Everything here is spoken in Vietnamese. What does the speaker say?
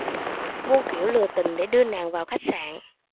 muôn kiểu lừa tình để đưa nàng vào khách sạn